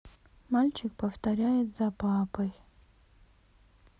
мальчик повторяет за папой